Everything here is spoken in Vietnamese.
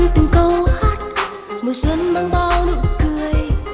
từng câu hát mùa xuân mang bao nụ cười